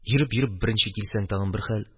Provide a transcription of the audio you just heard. Йөреп-йөреп беренче килсәң, тагын бер хәл